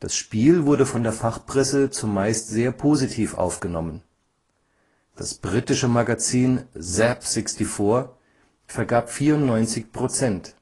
Spiel wurde von der Fachpresse zumeist sehr positiv aufgenommen. Das britische Magazin ZZAP! 64 vergab 94 %